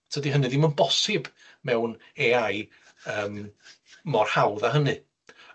Tydi hynny ddim yn bosib mewn Ay I yym mor hawdd â hynny.